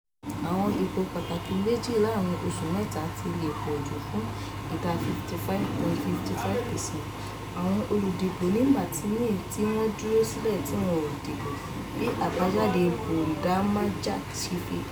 Àwọn ìbò pàtàkì méjì láàárìn oṣù mẹ́ta ti lè pọ̀ jù fún ìda 55.55% àwọn oludìbò ní Martini tí wọ́n dúró sílé tí wọn ò dìbò, bí àgbéjáde Bondamanjak ṣe fi hàn.